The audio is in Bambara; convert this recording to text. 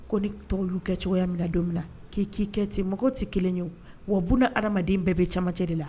Ko ni tɔw y'u kɛ cogoya min na don min na, k'i k'i kɛ ten. Mɔgɔw te kelen ye wo wa buna hadamadenw bɛɛ be camancɛ de la